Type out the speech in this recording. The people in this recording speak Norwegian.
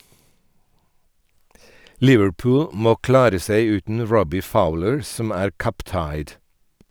Liverpool må klare seg uten Robbie Fowler som er «cup tied».